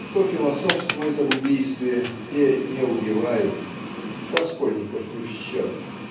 Кто философствует об убийстве, те не убивают (Раскольников не в счет)